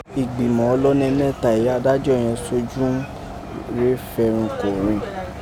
Ìgbìmà ọlọ́nẹ mẹ́tà èyí adájọ́ yẹ̀n sojú ghún rèé fẹrun kò rin.